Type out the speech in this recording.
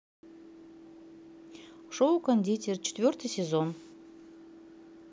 шоу кондитер четвертый сезон